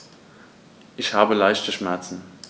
Ich habe leichte Schmerzen.